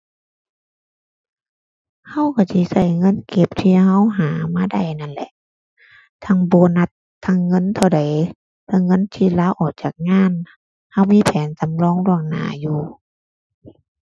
เราเราสิเราเงินเก็บที่เราหามาได้นั่นแหละ ทั้งโบนัส ทั้งเงินเท่าใด ทั้งเงินที่ลาออกจากงาน เรามีแผนสำรองล่วงหน้าอยู่